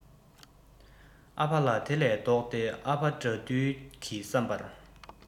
ཨ ཕ ལ དེ ལས ལྡོག སྟེ ཨ ཕ དགྲ འདུལ གི བསམ པར